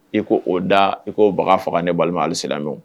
I ko o da i ko baga faga ni ne balima hali silamɛ don